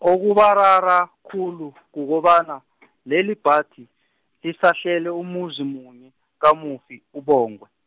okubarara khulu kukobana, lelibhadi, lisahlele umuzi munye kamufi uBongwe.